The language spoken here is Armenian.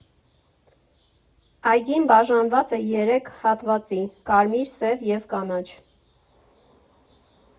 Այգին բաժանված է երեք հատվածի՝ կարմիր, սև և կանաչ։